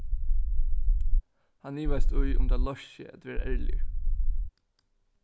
hann ivaðist í um tað loysti seg at vera ærligur